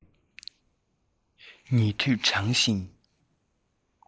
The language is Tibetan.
ཉིད དུ བགྲང ཞིང